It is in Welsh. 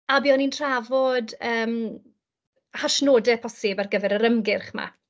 A buon ni'n trafod yym hashnodau posib ar gyfer yr ymgyrch 'ma.